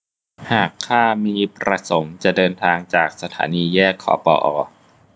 หากข้ามีประสงค์จะเดินทางจากสถานีแยกคอปอออ